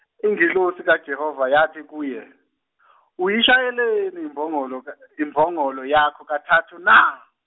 ingelosi kaJehova yathi kuye Uyishayeleni imbongolo ka- imbongolo yakho kathathu na?